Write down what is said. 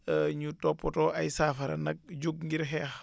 ñu toppatoo ay saafara nag jug ngir xeex